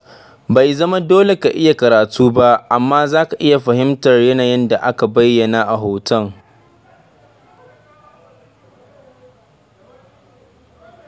Bai zama dole ka iya karatu ba, amma za ka iya fahimtar yanayi da aka bayyana a hoton.